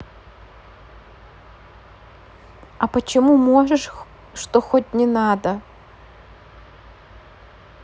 а почему можешь что хоть не надо